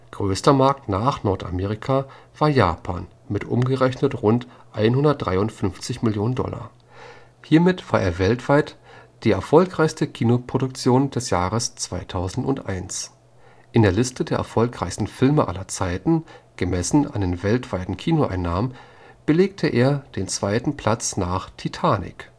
Größter Markt nach Nordamerika war Japan mit umgerechnet rund 153 Mio. $. Damit war er weltweit die erfolgreichste Kinoproduktion des Jahres 2001. In der Liste der erfolgreichsten Filme aller Zeiten, gemessen an den weltweiten Kinoeinnahmen, belegte er den zweiten Platz nach Titanic